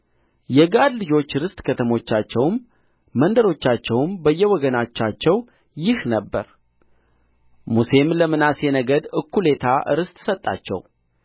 የጋድ ልጆች ርስት ከተሞቻቸውም መንደሮቻቸውም በየወገኖቻቸው ይህ ነበረ ሙሴም ለምናሴ ነገድ እኩሌታ ርስት ሰጣቸው